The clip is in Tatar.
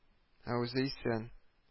Ә үзе исән